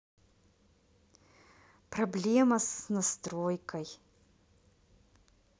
проблема с настройкой